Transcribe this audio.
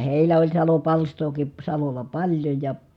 heillä oli salopalstaakin salolla paljon ja